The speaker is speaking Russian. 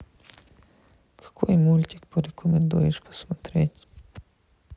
какой мультик порекомендуешь посмотреть